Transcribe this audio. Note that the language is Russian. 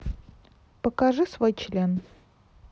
покажи свой член